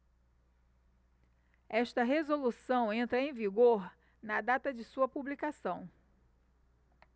esta resolução entra em vigor na data de sua publicação